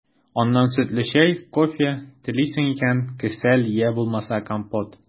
Аннан сөтле чәй, кофе, телисең икән – кесәл, йә булмаса компот.